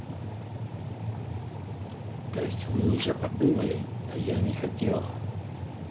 то есть вы уже подумали а я не хотела